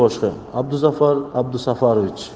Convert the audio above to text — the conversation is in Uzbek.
boshqa abduzafar abdusafarovich